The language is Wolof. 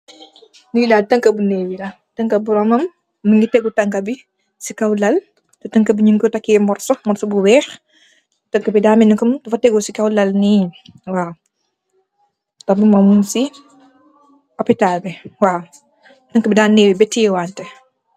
Li daal tanka bu nehwii la, tanka boromam mugeih teek tanka bi ce kaw laal, tanka bi nyew ko takeeh morso, morso bu weex, tanka bi daa melni mugeih teehgu ce kaw laa ni waw, ak morm muga ce opitan bi waw, tanku bi daa nehwi beh tiyeh wateh.